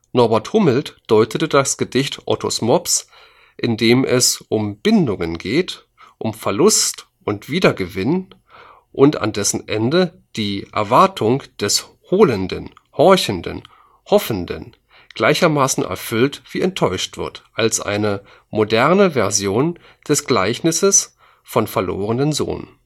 Norbert Hummelt deutete das Gedicht ottos mops, in dem es „ um Bindungen geht, um Verlust und Wiedergewinn “, und an dessen Ende „ die Erwartung des Holenden, Horchenden, Hoffenden […] gleichermaßen erfüllt wie enttäuscht wird “, als „ eine moderne Version des Gleichnisses vom verlorenen Sohn